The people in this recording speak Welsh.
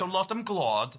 sôn lot am glôd ia.